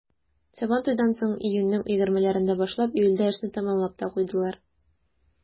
Сабантуйдан соң, июньнең 20-ләрендә башлап, июльдә эшне тәмамлап та куйдылар.